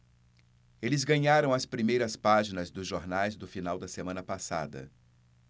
eles ganharam as primeiras páginas dos jornais do final da semana passada